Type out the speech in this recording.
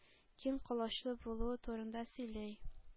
Киң колачлы булуы турында сөйли.